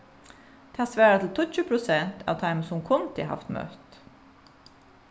tað svarar til tíggju prosent av teimum sum kundu havt møtt